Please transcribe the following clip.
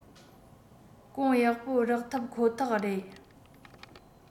གོང ཡག པོ རག ཐབས ཁོ ཐག རེད